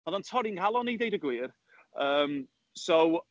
Oedd o'n torri 'nghalon i deud y gwir. Yym, so…